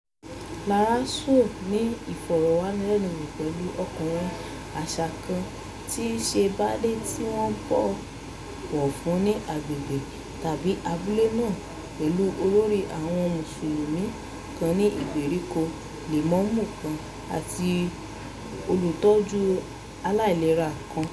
Lára Sow ní ìfọ̀rọ̀wánilẹ́nuwò pẹ̀lú "ọkùnrin àṣà", kan tíí ṣe baálé tí wọ́n bọ̀wọ̀ fún ní agbègbè tàbí abúlé náà, pẹ̀lú olórí àwọn Mùsùlùmí kan ní ìgbèríko (lèmọ́ọ́mù kan) àti olùtọ́jú aláìlera kan.